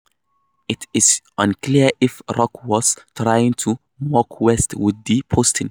It is unclear if Rock was trying to mock West with the posting.